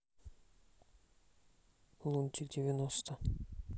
лунтик девяносто